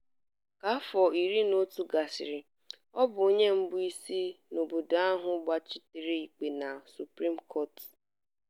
Ka afọ 11 gasịrị, ọ bụ onye mbụ si n'obodo ahụ gbachitere ikpe na Supreme Court.